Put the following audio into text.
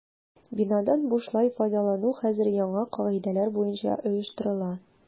Бинадан бушлай файдалану хәзер яңа кагыйдәләр буенча оештырыла.